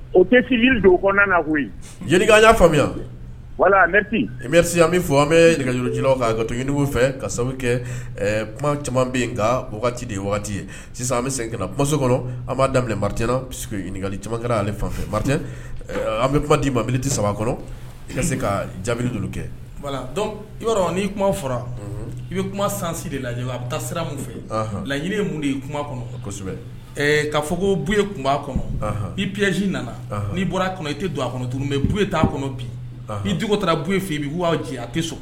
O tɛ na koyika y'a faamuya wala an bɛ fɔ an bɛ nɛgɛj kan ka to ɲini fɛ ka sababu kɛ kuma caman bɛ nka wagati de ye ye sisan an bɛ segin ba kɔnɔ an b'a daminɛɲɛnakali caman kɛra ale an bɛ kuma mabili tɛ saba kɔnɔ i ka se ka ja kɛ n' kuma fɔra i bɛ kuma san de la a bɛ taa sira min fɛ laɲini mun de kuma kɔnɔ kosɛbɛ ka fɔ ko buye kun a kɔnɔ i psi nana n'i bɔra a kun i tɛ don a kɔnɔ turu bɛ t' a kɔnɔ bi i dugu taara buye i bɛ'a a so